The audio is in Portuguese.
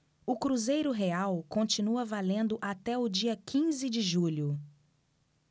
o cruzeiro real continua valendo até o dia quinze de julho